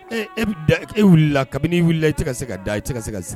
E e bɛ da e wulila la kabini wulila e tɛ ka segin ka da i tɛ ka segin ka segin